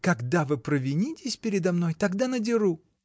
— Когда вы провинитесь передо мной, тогда надеру.